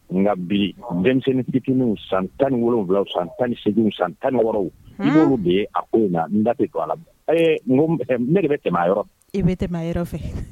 Nka bi denmisɛnnin fitininw san 17 san 18 san 16 i b'olu de ye a ko in na n da tɛ don a la n ko ne bɛ tɛmɛ a yɔrɔ fɛ, i bɛ tɛmɛ yɔrɔ fɛ